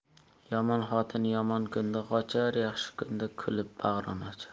yomon xotin yomon kunda qochar yaxshi kunda kulib bag'rin ochar